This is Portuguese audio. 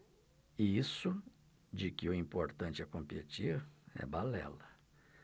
isso de que o importante é competir é balela